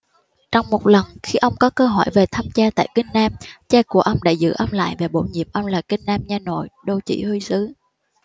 trong một lần khi ông có cơ hội về thăm cha tại kinh nam cha của ông đã giữ ông lại và bổ nhiệm ông là kinh nam nha nội đô chỉ huy sứ